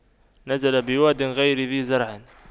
نزل بواد غير ذي زرع